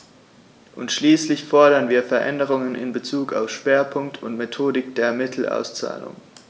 Und schließlich fordern wir Veränderungen in bezug auf Schwerpunkt und Methodik der Mittelauszahlung.